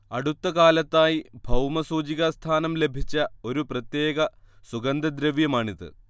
അടുത്തകാലത്തായി ഭൗമസൂചിക സ്ഥാനം ലഭിച്ച ഒരു പ്രത്യേക സുഗന്ധദ്രവ്യമാണിത്